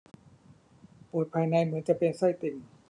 ปวดภายในเหมือนจะเป็นไส้ติ่ง